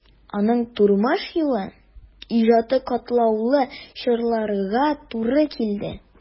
Аның тормыш юлы, иҗаты катлаулы чорларга туры килде.